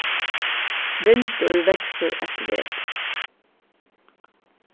vindur veksur eitt vet